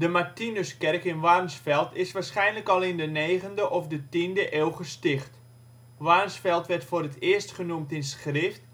Martinuskerk in Warnsveld is waarschijnlijk al in de 9e of de 10e eeuw gesticht. Warnsveld werd voor het eerst genoemd in schrift